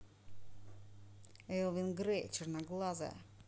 элвин грей черноглазая